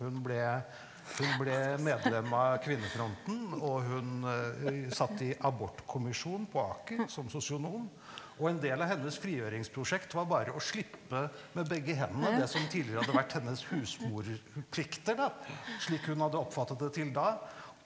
hun ble hun ble medlem av kvinnefronten, og hun satt i abortkommisjon på Aker som sosionom, og en del av hennes frigjøringsprosjekt var bare å slippe med begge hendene det som tidligere hadde vært hennes husmorplikter da slik hun hadde oppfattet det til da.